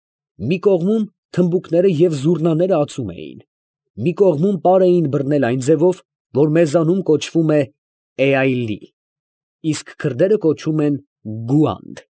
Մի կողմում թմբուկները և զուռնաները ածում էին, մի կողմում պար էին բռնել այն ձևով, որ մեզանում կոչվում է եալլի, իսկ քրդերը կոչում են գուանդ։